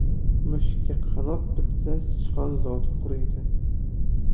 mushukka qanot bitsa sichqon zoti quriydi